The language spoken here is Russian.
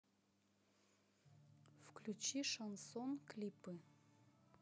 включи шансон клипы